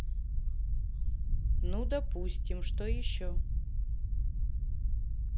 ну допустим что еще